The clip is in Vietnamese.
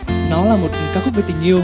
nó là một ca khúc về tình yêu